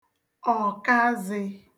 ọ̀kazị̄